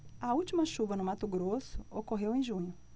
a última chuva no mato grosso ocorreu em junho